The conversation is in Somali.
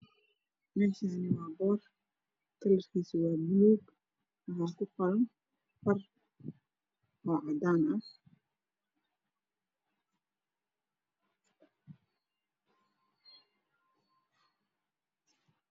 Meshani waa boor kalarkisa waa baluug waxa kuqoran fara oo cadan ah